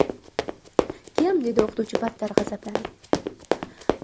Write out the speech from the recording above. kim dedi o'qituvchi battar g'azablanib